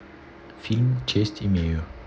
фильм честь имею